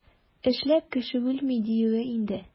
Эшләп кеше үлми, диюе инде.